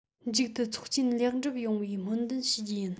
མཇུག ཏུ ཚོགས ཆེན ལེགས གྲུབ ཡོང བའི སྨོན འདུན ཞུ རྒྱུ ཡིན